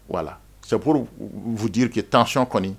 Wala sɛ fudi tancon kɔni